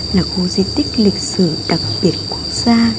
là khu di tích lịch sử đặc biệt quốc gia